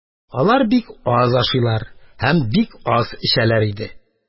Алар бик аз ашыйлар һәм бик аз эчәләр иде.